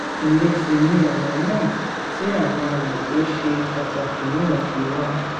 Ìyẹn sì ni ọ̀nà náà tí àmì ayò tóṣe pàtàkì náà fi wá.